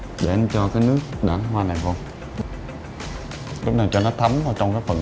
để anh cho cái nước đảng hoa này vô chúng ta cho nó thấm vào trong cái phần